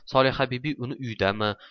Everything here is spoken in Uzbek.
solihabibi uni uydami